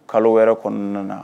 Kalo wɛrɛ kɔnɔna na